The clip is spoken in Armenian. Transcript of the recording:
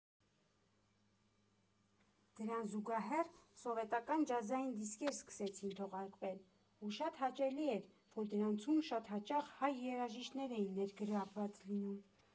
Դրան զուգահեռ սովետական ջազային դիսկեր սկսեցին թողարկվել, ու շատ հաճելի էր, որ դրանցում շատ հաճախ հայ երաժիշտներ էին ներգրավված լինում։